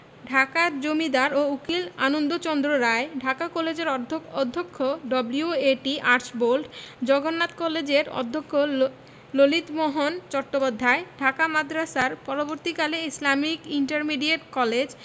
ঢাকার জমিদার ও উকিল আনন্দচন্দ্র রায় ঢাকা কলেজের অধ্যক্ষ ডব্লিউ.এ.টি আর্চবোল্ড জগন্নাথ কলেজের অধ্যক্ষ ললিতমোহন চট্টোপাধ্যায় ঢাকা মাদ্রাসার পরবর্তীকালে ইসলামিক ইন্টারমিডিয়েট কলেজ